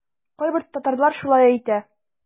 Кайбер татарлар шулай әйтә.